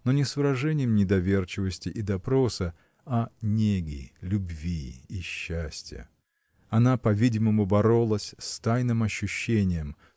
но не с выражением недоверчивости и допроса а неги любви и счастья. Она по-видимому боролась с тайным ощущением